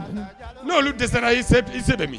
N' oluolu dɛsɛ se ka sɛbɛn bɛ min